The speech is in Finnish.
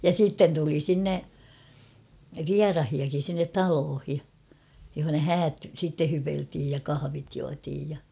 ja sitten tuli sinne vieraitakin sinne taloon jossa häät sitten hypeltiin ja kahvit juotiin ja